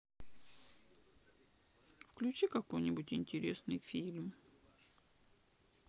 включи какой нибудь интересный фильм